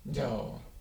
jaa